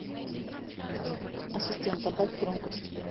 ассистент добавь громкость